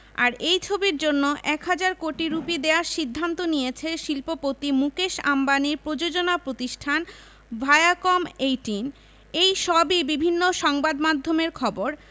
আর এই ছবির জন্য এক হাজার কোটি রুপি দেওয়ার সিদ্ধান্ত নিয়েছে শিল্পপতি মুকেশ আম্বানির প্রযোজনা প্রতিষ্ঠান ভায়াকম এইটিন এই সবই বিভিন্ন সংবাদমাধ্যমের খবর